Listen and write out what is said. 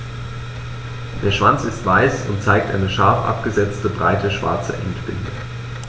Der Schwanz ist weiß und zeigt eine scharf abgesetzte, breite schwarze Endbinde.